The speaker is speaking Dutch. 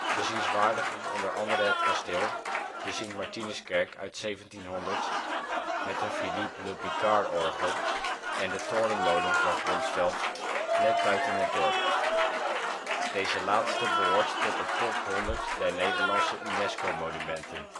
Bezienswaardig is onder andere het kasteel, de Sint Martinus kerk uit 1700 met een Philippe Le Picard orgel en de Torenmolen van Gronsveld net buiten het dorp. Deze laatste behoort tot de Top 100 der Nederlandse UNESCO-monumenten